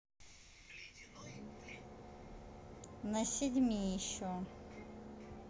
на седьми еще